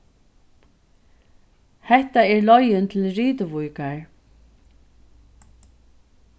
hetta er leiðin til rituvíkar